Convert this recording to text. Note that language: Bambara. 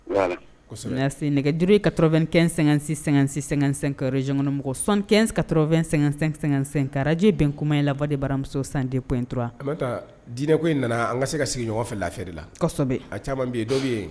Se nɛgɛ duurue ka t2-ɛn--sɛ-sɛ-sɛka zygonmɔgɔ sɔnɛnka2-sɛkarajɛ bɛn kuma in la wari de baramuso san dep intura diinɛ ko in nana an ka se ka sigi ɲɔgɔnfɛ lafifɛ lasɔ